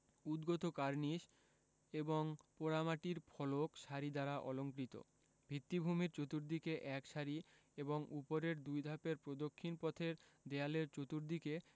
উদ্গত কার্নিস এবং পোড়ামাটির ফলক সারি দ্বারা অলঙ্কৃত ভিত্তিভূমির চতুর্দিকে এক সারি এবং উপরের দুই ধাপের প্রদক্ষিণ পথের দেয়ালের চতুর্দিকে